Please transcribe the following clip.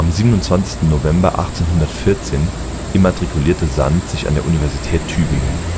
27. November 1814 immatrikulierte Sand sich an der Universität Tübingen